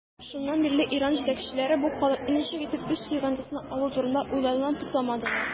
Шуннан бирле Иран җитәкчеләре бу халыкны ничек итеп үз йогынтысына алу турында уйлаудан туктамадылар.